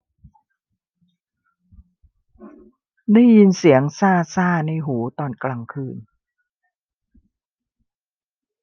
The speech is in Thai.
ได้ยินเสียงซ่าซ่าในหูตอนกลางคืน